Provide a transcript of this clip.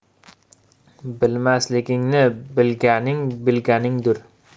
bilmasligingni bilganing bilganingdir